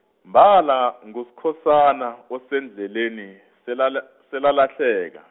mbala nguSkhosana osendleleni, selala- selalahleka.